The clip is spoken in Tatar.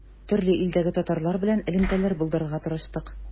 Төрле илдәге татарлар белән элемтәләр булдырырга тырыштык.